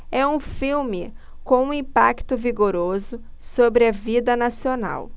é um filme com um impacto vigoroso sobre a vida nacional